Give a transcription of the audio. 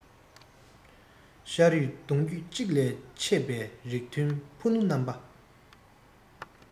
ཤ རུས གདོང རྒྱུད གཅིག ལས ཆད པའི རིགས མཐུན ཕུ ནུ རྣམས པ